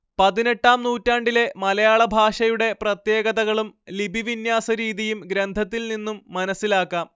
പതിനെട്ടാം നൂറ്റാണ്ടിലെ മലയാളഭാഷയുടെ പ്രത്യേകതകളും ലിപിവിന്യാസരീതിയും ഗ്രന്ഥത്തിൽനിന്നും മനസ്സിലാക്കാം